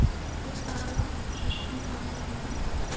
Ул сарыла шашкан анасына,